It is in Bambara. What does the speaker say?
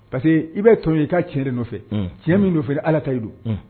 Parce que i bɛ to ye i ka tiɲɛ de nɔfɛ tiɲɛ min nɔfɛ ala tayi do